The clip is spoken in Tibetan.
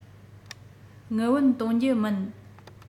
དངུལ བུན གཏོང རྒྱུ མིན